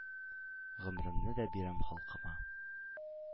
Гомремне дә бирәм халкыма.